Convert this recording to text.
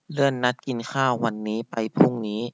เลื่อนนัดกินข้าววันนี้ไปพรุ่งนี้